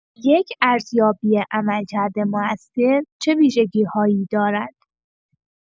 یک ارزیابی عملکرد مؤثر چه ویژگی‌هایی دارد؟